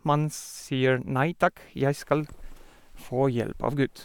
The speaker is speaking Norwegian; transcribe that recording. Nei takk, jeg skal få hjelp av Gud.